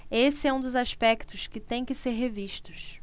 esse é um dos aspectos que têm que ser revistos